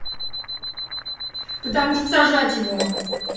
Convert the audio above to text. потому что сажать его